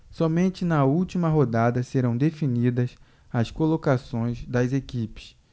somente na última rodada serão definidas as colocações das equipes